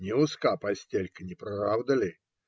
Не узка постелька, не правда ли?